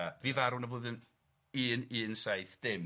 Fu farw yn y flwyddyn un un saith dim.